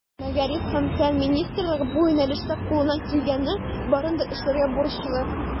Мәгариф һәм фән министрлыгы бу юнәлештә кулыннан килгәннең барын да эшләргә бурычлы.